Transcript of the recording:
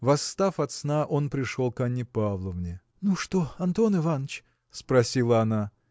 Восстав от сна, он пришел к Анне Павловне. – Ну что, Антон Иваныч? – спросила она.